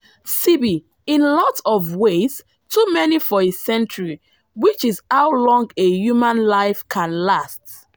CB: In a lot of ways, too many for a century, which is how long a human life can last.